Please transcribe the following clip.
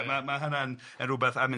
A ma' ma' hynna'n yn rwbeth anes-